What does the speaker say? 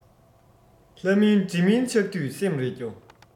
ལྷ མིན འདྲེ མིན ཆགས དུས སེམས རེ སྐྱོ